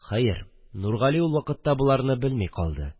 Хәер, Нургали ул вакытта боларны белми калды